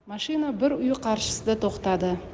mashina bir uy qarshisida to'xtadi